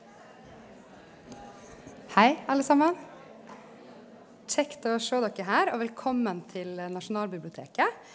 hei alle saman, kjekt å sjå dokker her og velkommen til Nasjonalbiblioteket.